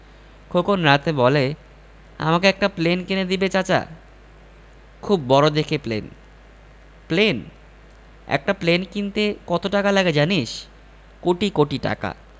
খোকন রাতে বলে আমাকে একটা প্লেন কিনে দিবে চাচা খুব বড় দেখে প্লেন প্লেন একটা প্লেন কিনতে কত টাকা লাগে জানিস কোটি কোটি টাকা